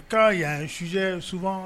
U ka yan sujɛ suman